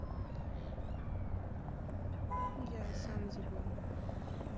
я сам забыл